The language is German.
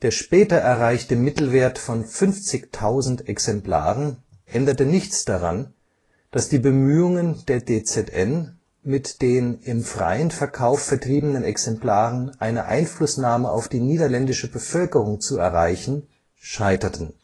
später erreichte Mittelwert von 50.000 Exemplaren änderte nichts daran, dass die Bemühungen der DZN, mit den im freien Verkauf vertriebenen Exemplaren eine Einflussnahme auf die niederländische Bevölkerung zu erreichen, scheiterten